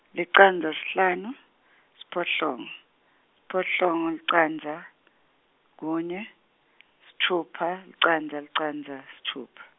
licandza sihlanu, siphohlongo, siphohlongo licandza, kunye, sithupha licandza licandza sithupha.